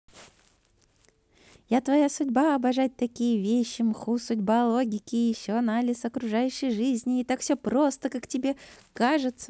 я твоя судьба обожать такие вещи мху судьба логика и еще анализ окружающей жизни и так все просто как как тебе кажется